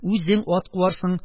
Үзең ат куарсың..